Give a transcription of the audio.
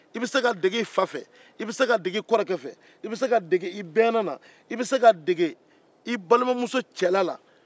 i bɛ se k'a dege i fa fɛ i kɔrɔkɛ fɛ i bɛɛnna la i balimamuso cɛla la